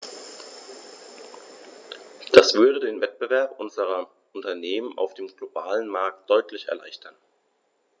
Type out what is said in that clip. Das würde den Wettbewerb unserer Unternehmen auf dem globalen Markt deutlich erleichtern.